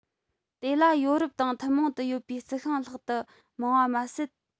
དེ ལ ཡོ རོབ དང ཐུན མོང དུ ཡོད པའི རྩི ཤིང ལྷག ཏུ མང བ མ ཟད